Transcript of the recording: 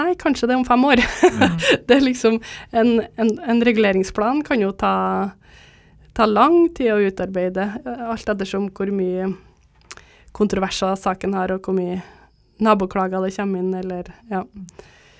nei kanskje det er om fem år det er liksom en en en reguleringsplan kan jo ta ta lang tid å utarbeide alt ettersom hvor mye kontroverser saken har og hvor mye naboklager det kommer inn eller ja.